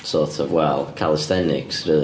Sort of well, calisthenics rili.